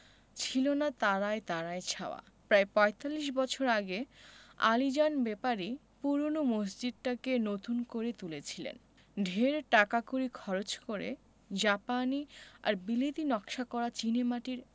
ছিলনা তারায় তারায় ছাওয়া প্রায় পঁয়তাল্লিশ বছর আগে আলীজান ব্যাপারী পূরোনো মসজিদটাকে নতুন করে তুলেছিলেন ঢের টাকাকড়ি খরচ করে জাপানি আর বিলেতী নকশা করা চীনেমাটির